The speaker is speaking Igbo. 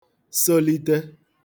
solite